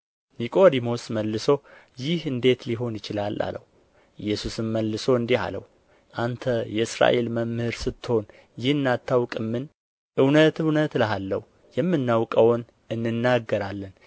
ኒቆዲሞስ መልሶ ይህ እንዴት ሊሆን ይችላል አለው ኢየሱስም መልሶ እንዲህ አለው አንተ የእስራኤል መምህር ስትሆን ይህን አታውቅምን እውነት እውነት እልሃለሁ የምናውቀውን እንናገራለን